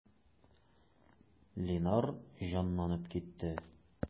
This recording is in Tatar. Линар җанланып китте.